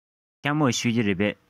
ཤ མོག མཆོད ཀྱི རེད པས